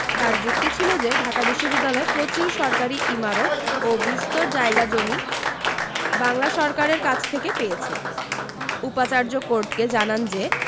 তাঁর যুক্তি ছিল যে ঢাকা বিশ্ববিদ্যালয় প্রচুর সরকারি ইমারত ও বিস্তর জায়গা জমি বাংলা সরকারের কাছ থেকে পেয়েছে উপাচার্য কোর্টকে জানান যে